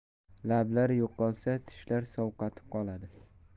lablar yo'qolsa tishlar sovqotib qoladi